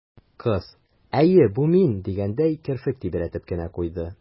Кыз, «әйе, бу мин» дигәндәй, керфек тибрәтеп кенә куйды.